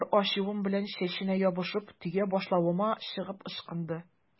Бар ачуым белән чәченә ябышып, төя башлавыма чыгып ычкынды.